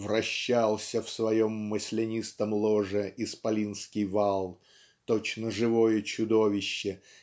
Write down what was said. вращался в своем маслянистом ложе исполинский вал точно живое чудовище